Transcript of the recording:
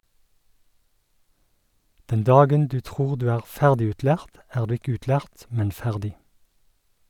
Den dagen du tror du er ferdigutlært er du ikke utlært, men ferdig.